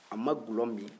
a ma dɔlɔ min